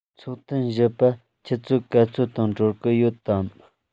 ཚོགས ཐུན བཞི པ ཆུ ཚོད ག ཚོད སྟེང གྲོལ གི ཡོད དམ